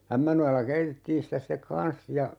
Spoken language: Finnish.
Ämmänojalla keitettiin sitä sitten kanssa ja